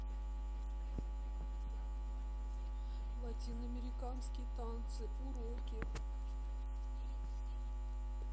латиноамериканские танцы уроки